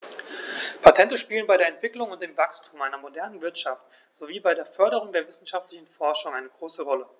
Patente spielen bei der Entwicklung und dem Wachstum einer modernen Wirtschaft sowie bei der Förderung der wissenschaftlichen Forschung eine große Rolle.